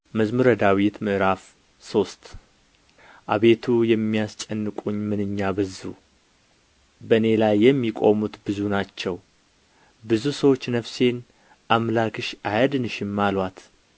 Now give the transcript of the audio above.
መዝሙር ምዕራፍ ሶስት አቤቱ የሚያስጨንቁኝ ምንኛ በዙ በኔ ላይ የሚቆሙት ብዙ ናቸው ብዙ ሰዎች ነፍሴን አምላክሽ አያድንሽም አልዋት